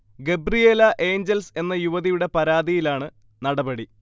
Gabriela Angels എന്ന യുവതിയുടെ പരാതിയിലാണ് നടപടി